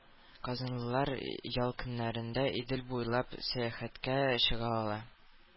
Казанлылар ял көннәрендә Идел буйлап сәяхәткә чыга ала.